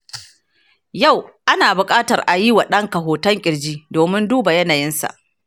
yau ana bukatar a yi wa ɗanka hoton kirji domin duba yanayinsa.